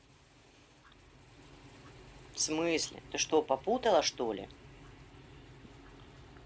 в смысле ты что попутала что ли